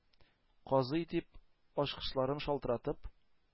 Казый!..-дип, ачкычларын шалтыратып,